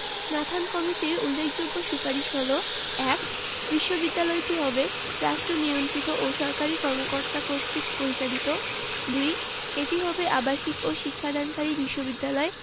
Nathan কমিটির উল্লেখযোগ্য সুপারিশ হলো: ১. বিশ্ববিদ্যালয়টি হবে রাষ্ট্রনিয়ন্ত্রিত ও সরকারি কর্মকর্তা কর্তৃক পরিচালিত ২. এটি হবে আবাসিক ও শিক্ষাদানকারী বিশ্ববিদ্যালয়